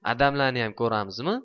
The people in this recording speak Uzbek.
adamlarniyam ko'ramizmi